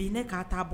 Bi ne k kaa taa bɔ